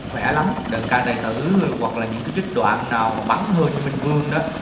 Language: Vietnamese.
khỏe lắm đờn ca tài tử hoặc là những cái trích đoạn nào mà bắn hơi như minh vương đó